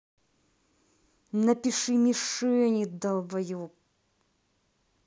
напиши мишени долбоеб